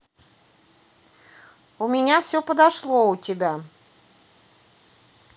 у меня все подошло у тебя